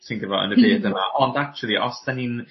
ti'n gwbo yn y bud yma ond actually os 'dan ni'n